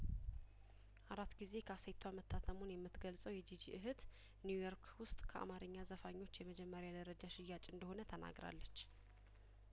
አራት ጊዜ ካሴቷ መታተሙን የምት ገልጸው የጂጂ እህት ኒውዮርክ ውስጥ ከአማርኛ ዘፋኞች የመጀመሪያደረጃ ሽያጭ እንደሆነ ተናግራለች